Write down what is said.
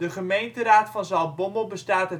gemeenteraad van Zaltbommel bestaat